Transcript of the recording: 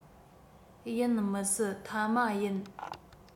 ཡིན མི སྲིད མཐའ མ ཡིན